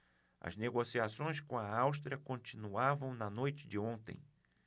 as negociações com a áustria continuavam na noite de ontem